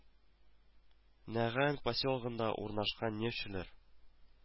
Нягань поселогында урнашкан нефтьчеләр